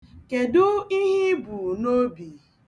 Kedụ ihe ibu n'obi?